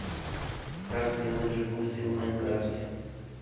как сделать джакузи в майнкрафте